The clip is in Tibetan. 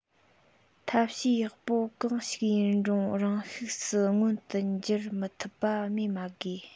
ཐབས ཤེས ལེགས པོ གང ཞིག ཡིན རུང རང ཤུགས སུ མངོན དུ འགྱུར མི ཐུབ པ སྨོས མ དགོས